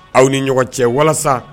Aw ni ɲɔgɔn cɛ walasa